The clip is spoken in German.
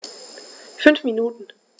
5 Minuten